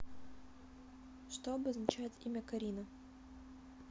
что обозначает имя карина